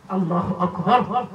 Alahu akibaru.